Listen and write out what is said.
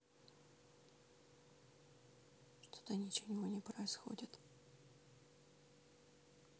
что то ничего не происходит